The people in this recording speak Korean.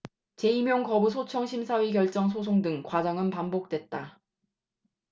재임용 거부 소청 심사위 결정 소송 등 과정은 반복됐다